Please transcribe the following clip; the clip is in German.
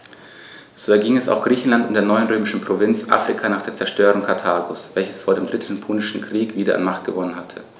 So erging es auch Griechenland und der neuen römischen Provinz Afrika nach der Zerstörung Karthagos, welches vor dem Dritten Punischen Krieg wieder an Macht gewonnen hatte.